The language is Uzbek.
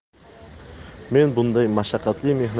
men bunday mashaqqatli